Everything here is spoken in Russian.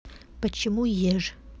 почему еж